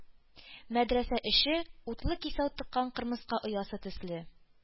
Мәдрәсә эче, утлы кисәү тыккан кырмыска оясы төсле,